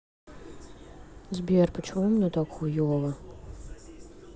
сбер почему у меня так хуево